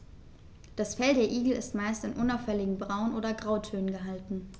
Das Fell der Igel ist meist in unauffälligen Braun- oder Grautönen gehalten.